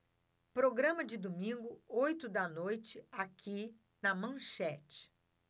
programa de domingo oito da noite aqui na manchete